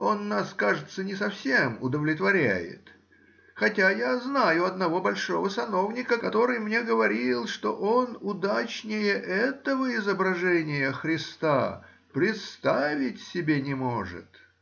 он нас, кажется, не совсем удовлетворяет, хотя я знаю одного большого сановника, который мне говорил, что он удачнее этого изображения Христа представить себе не может.